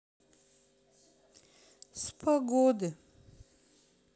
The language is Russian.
с погоды